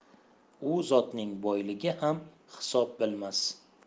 u zotning boyligi ham hisob bilmas